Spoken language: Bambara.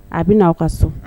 A bɛ n' aw ka sɔn